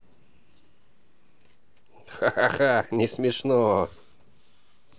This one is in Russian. ха ха ха не смешно